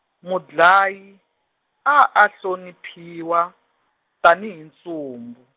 mudlayi, a a hloniphiwa, tani hi ntsumbu.